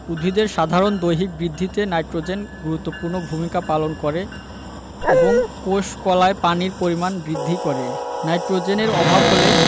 উদ্ভিদের সাধারণ দৈহিক বৃদ্ধিতে নাইট্রোজেন গুরুত্বপূর্ণ ভূমিকা পালন করে এবং কোষ কলায় পানির পরিমাণ বৃদ্ধি করে নাইট্রোজেনের অভাব হলে